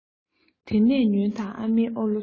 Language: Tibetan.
དེ ནས ཉོན དང ཨ མའི ཨོ ལོ ཚོ